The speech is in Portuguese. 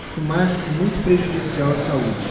fumar é muito prejudicial à saúde